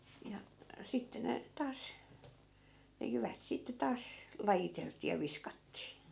ja sitten ne taas ne jyvät sitten taas lajiteltiin ja viskattiin